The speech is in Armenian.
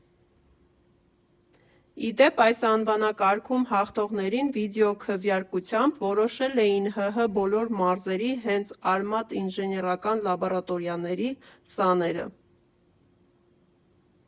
Ի դեպ՝ այս անվանակարգում հաղթողներին վիդեոքվեարկությամբ որոշել էին ՀՀ բոլոր մարզերի հենց «Արմաթ» ինժեներական լաբորատորիաների սաները։